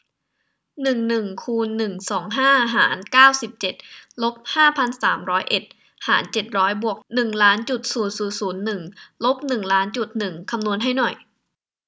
หนึ่งหนึ่งคูณหนึ่งสองห้าหารเก้าสิบเจ็ดลบห้าพันสามร้อยเอ็ดหารเจ็ดร้อยบวกหนึ่งล้านจุดศูนย์ศูนย์ศูนย์หนึ่งลบหนึ่งล้านจุดหนึ่งคำนวณให้หน่อย